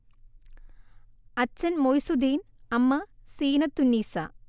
അച്ഛൻ മൊയ്സുദ്ദീൻ അമ്മ സീനത്തുന്നീസ